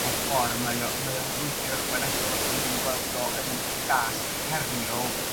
mewn ffor' mae o mae o'n frwydr ychwanegol os 'dyn n'w'n gweld o yn dasg heriol